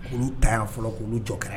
U ta fɔlɔ' ni jɔ kɛra